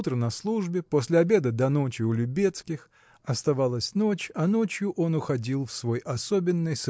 утро на службе, после обеда до ночи у Любецких оставалась ночь а ночью он уходил в свой особенный